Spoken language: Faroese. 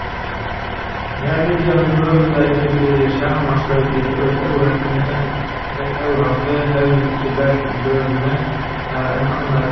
nærliggjandi møguleiki fyri samanstoyti ella øðrum óhappi fevnir ikki bert um dømi har ein annar